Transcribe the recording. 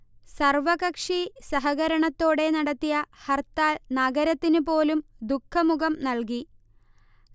സർവകക്ഷി സഹകരണത്തോടെ നടത്തിയ ഹർത്താൽ നഗരത്തിന് പോലും ദുഃഖമുഖം നൽകി